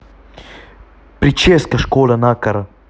прическа школа накара